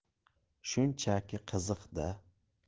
shunchaki qiziqishda